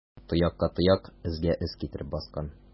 Тоякка тояк, эзгә эз китереп баскан.